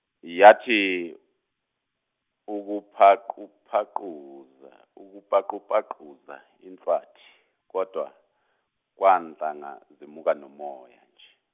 yathi, ukuphaquphaquza ukupaqupaquza inhlwathi kodwa, kwanhlanga zimuka nomoya nje.